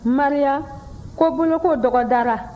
maria ko boloko dɔgɔdara